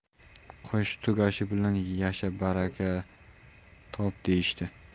qo'shiq tugashi bilan yasha baraka top deyishdi